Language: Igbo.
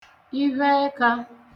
ivheẹka